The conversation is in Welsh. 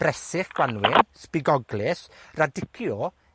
bresych gwanwyn, sbigoglys, radicchio,